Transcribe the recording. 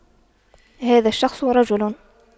هذا الشخص رجل